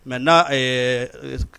Maintenant ɛɛ esk